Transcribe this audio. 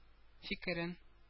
Фикерен